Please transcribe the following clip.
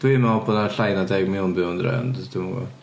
Dwi'n meddwl bod 'na llai na deg mil yn byw yn Dre ond dwi'm yn gwbod.